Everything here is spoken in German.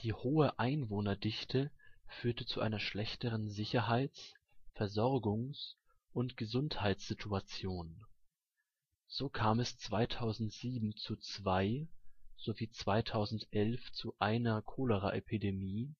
hohe Einwohnerdichte führte zu einer schlechteren Sicherheits -, Versorgungs - und Gesundheitssituation, so kam es 2007 zu zwei sowie 2011 zu einer Choleraepidemie